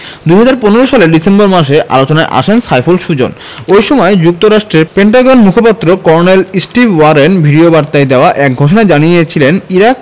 ২০১৫ সালের ডিসেম্বর মাসে আলোচনায় আসেন সাইফুল সুজন ওই সময় যুক্তরাষ্ট্রের পেন্টাগন মুখপাত্র কর্নেল স্টিভ ওয়ারেন ভিডিওবার্তায় দেওয়া এক ঘোষণায় জানিয়েছিলেন ইরাক